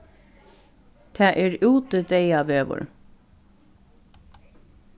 tað er útideyðaveður